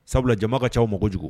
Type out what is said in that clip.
Sabula jama ka cɛw mako kojugu